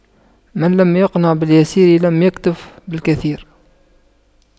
من لم يقنع باليسير لم يكتف بالكثير